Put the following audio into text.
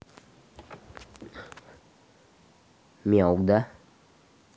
мяу да